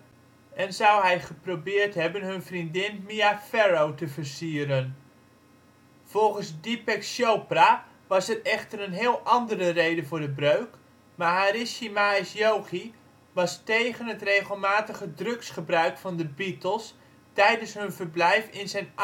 en zou hij geprobeerd hebben hun vriendin Mia Farrow te versieren. Volgens Deepak Chopra was er echter een heel andere reden voor de breuk: Maharishi Mahesh Yogi was tegen het regelmatige drugsgebruik van de Beatles tijdens hun verblijf in zijn